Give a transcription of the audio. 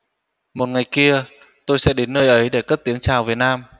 một ngày kia tôi sẽ đến nơi ấy để cất tiếng chào việt nam